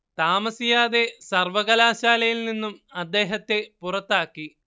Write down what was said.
താമസിയാതെ സർവ്വകലാശാലയിൽ നിന്നും അദ്ദേഹത്തെ പുറത്താക്കി